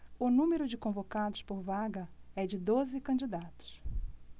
o número de convocados por vaga é de doze candidatos